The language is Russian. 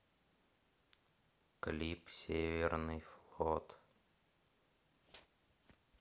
клип северный флот